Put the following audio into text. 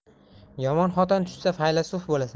yomon xotin tushsa faylasuf bo'lasan